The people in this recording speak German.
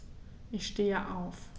Ich stehe auf.